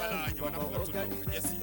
Ka